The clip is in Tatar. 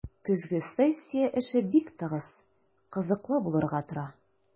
Көзге сессия эше бик тыгыз, кызыклы булырга тора.